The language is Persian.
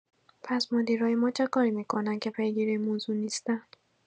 پس مدیرای ما چه کاری می‌کنند که پیگیر این موضوع نیستند؟